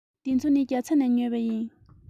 འདི ཚོ ནི རྒྱ ཚ ནས ཉོས པ ཡིན